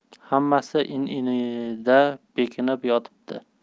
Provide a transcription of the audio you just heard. hammasi in inida berkinib yotibdi